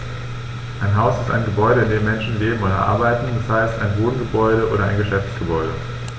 Ein Haus ist ein Gebäude, in dem Menschen leben oder arbeiten, d. h. ein Wohngebäude oder Geschäftsgebäude.